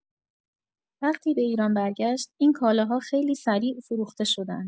وقتی به ایران برگشت، این کالاها خیلی سریع فروخته شدند.